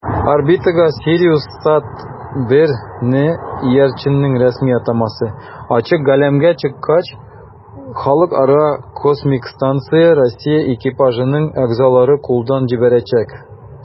Орбитага "СириусСат-1"ны (иярченнең рәсми атамасы) ачык галәмгә чыккач ХКС Россия экипажының әгъзалары кулдан җибәрәчәк.